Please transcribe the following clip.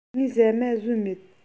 ངས ཟ མ ཟོས མེད